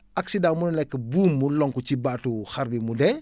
acciedent mun na nekk buum mu lonku ci baatu xar bi mu dee